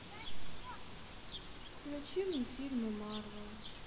включи мне фильмы марвел